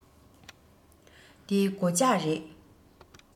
འདི སྒོ ལྕགས རེད